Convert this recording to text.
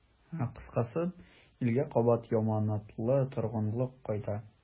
Кыскасы, илгә кабат яманатлы торгынлык кайта.